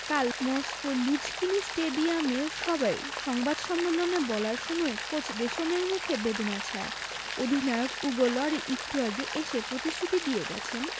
কাল মস্কোর লুঝকিনি স্টেডিয়ামের সংবাদ সম্মেলনে বলার সময়ও কোচ দেশমের মুখে বেদনার ছায়া অধিনায়ক উগো লরি একটু আগে এসে প্রতিশ্রুতি দিয়ে গেছেন